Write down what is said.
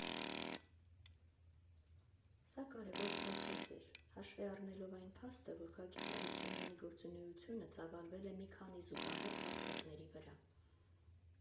Սա կարևոր պրոցես էր՝ հաշվի առնելով այն փաստը, որ Գագիկ Հարությունյանի գործունեությունը ծավալվել է մի քանի զուգահեռ հարթակների վրա։